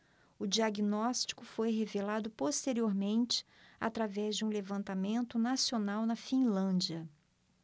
o diagnóstico foi revelado posteriormente através de um levantamento nacional na finlândia